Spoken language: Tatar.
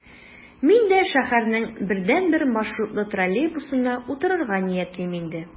Мин дә шәһәрнең бердәнбер маршрутлы троллейбусына утырырга ниятлим инде...